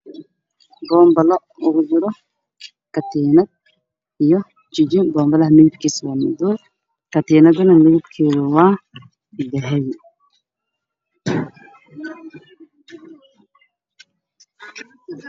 Waa bamba leh saaka ku jirto